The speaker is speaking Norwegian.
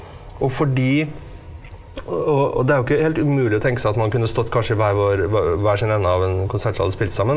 og fordi og og det er jo ikke helt umulig å tenke seg at man kunne stått kanskje i hver vår hver sin ende av en konsertsal og spilt sammen.